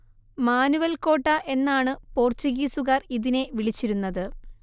manual കോട്ട എന്നാണ് പോർച്ചുഗീസുകാർ ഇതിനെ വിളിച്ചിരുന്നത്